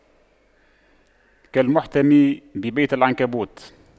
كالمحتمي ببيت العنكبوت